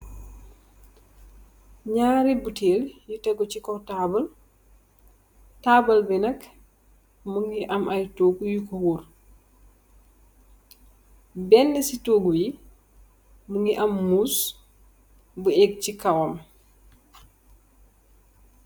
Ñaari butèèl yu tégu ci kaw tabull, tabull bi nak mugii ay tohgu yu ko war, benna ci tohgu yi mugii am muus bu èèk ci kawam.